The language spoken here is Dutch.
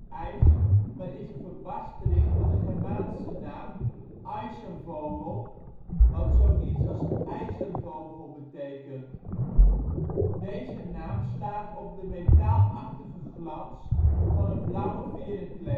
ijs maar is een verbastering van de Germaanse naam Eisenvogel wat zoiets als ' ijzervogel ' betekent. Deze naam slaat op de metaalachtige glans van het blauwe verenkleed. Een